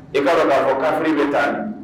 I ka'a fɔ kafiri bɛ taa